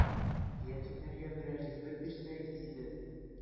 Ятимнәргә берәр ризык бирсәгез иде! ..